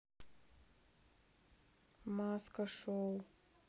маска шоу